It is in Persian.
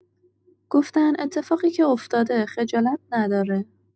گفتن اتفاقی که افتاده خجالت نداره.